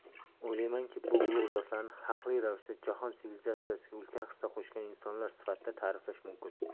o'ylaymanki bu ulug' zotlarni haqli ravishda jahon sivilizatsiyasiga ulkan hissa qo'shgan insonlar sifatida ta'riflash mumkin